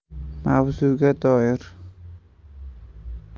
mavzuga doir